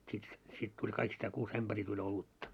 sitten se sitten tuli kaikista kuusi ämpäriä tuli olutta